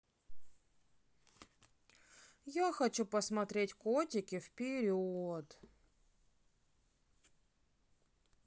я хочу посмотреть котики вперед